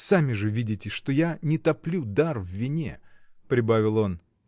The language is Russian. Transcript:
— Сами же видите, что я не топлю дар в вине. — прибавил он.